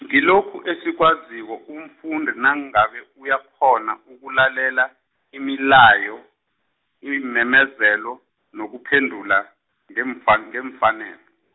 ngilokhu esikwaziko umfundi nangabe uyakghona ukulalela, imilayo, iimemezelo nokuphendula, ngemfa- ngemfanelo.